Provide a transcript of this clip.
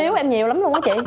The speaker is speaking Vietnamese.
em nhiều lắm luôn đó chị